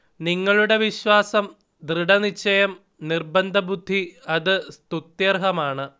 നിങ്ങളുടെ വിശ്വാസം, ദൃഢനിശ്ചയം നിർബന്ധബുദ്ധി അത് സ്തുത്യർഹമാണ്